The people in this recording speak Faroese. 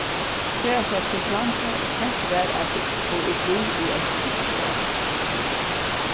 ferðast varð kring landið og sent varð av bygd og úr bý í eini tíggju ár